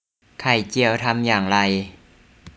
ไข่เจียวทำอย่างไร